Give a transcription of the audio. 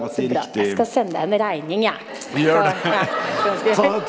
så bra, jeg skal skal sende deg en regning jeg så ja .